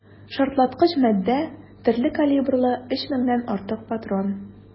Шартлаткыч матдә, төрле калибрлы 3 меңнән артык патрон.